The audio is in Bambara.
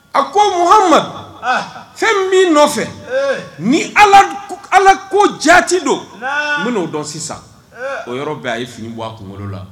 A ko Muhamadu, an han, fɛn min b'i nɔfɛ, ni Ala Alako ko jaati don, naa, n bɛ n'o dɔn sisan, o yɔrɔ bɛɛ a ye fini bɔ a kunkolo la